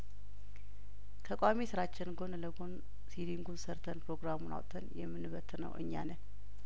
ከቋሚ ስራችን ጐን ለጐን ሲዲን ጉን ሰርተን ፕሮግራሙን አውጥተን የምንበትነው እኛ ነን